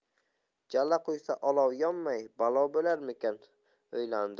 jala quysa olov yonmay balo bo'larmikin o'ylandi u